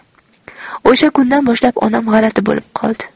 o'sha kundan boshlab onam g'alati bo'lib qoldi